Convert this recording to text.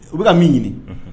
U bɛka ka min ɲini